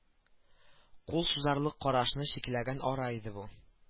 Кул сузарлык карашны чикләгән ара иде бу